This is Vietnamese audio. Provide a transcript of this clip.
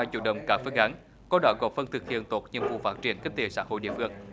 chủ động các phương án qua đó góp phần thực hiện tốt nhiệm vụ phát triển kinh tế xã hội địa phương